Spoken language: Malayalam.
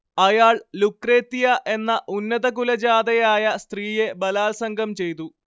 അയാൾ ലുക്രേത്തിയ എന്ന ഉന്നതകുലജാതയായ സ്ത്രീയെ ബലാത്സംഗം ചെയ്തു